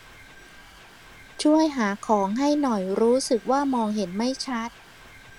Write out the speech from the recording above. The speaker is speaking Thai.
ช่วยหาของให้หน่อยรู้สึกว่ามองเห็นไม่ชัด